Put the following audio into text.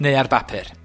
neu ar bapur.